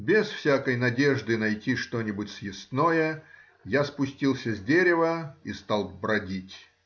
Без всякой надежды найти что-нибудь съестное я спустился с дерева и стал бродить.